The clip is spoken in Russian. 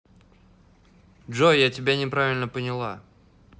джой я тебя тоже неправильно поняла